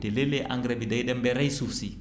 te léeg-léeg engrais bi day dem ba ray suuf si